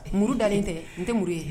Muru dalenlen tɛ n tɛ muru ye